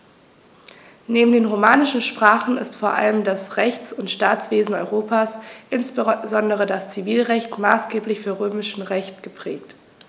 Neben den romanischen Sprachen ist vor allem das Rechts- und Staatswesen Europas, insbesondere das Zivilrecht, maßgeblich vom Römischen Recht geprägt.